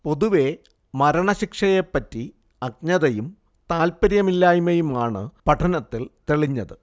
പൊതുവേ മരണശിക്ഷയെപ്പറ്റി അജ്ഞതയും താല്പര്യമില്ലായ്മയുമാണ് പഠനത്തിൽ തെളിഞ്ഞത്